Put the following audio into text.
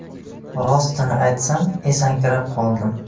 rostini aytsam esankirab qoldim